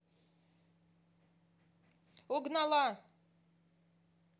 угнала